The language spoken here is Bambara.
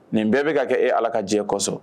Nin bɛɛ bɛ ka ka kɛ e allah ka jɛn kɔsɔn.